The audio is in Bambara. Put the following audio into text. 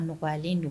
A mɔlen don